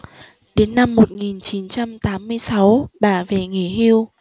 đến năm một nghìn chín trăm tám mươi sáu bà về nghỉ hưu